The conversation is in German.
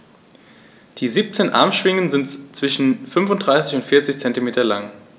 Die 17 Armschwingen sind zwischen 35 und 40 cm lang.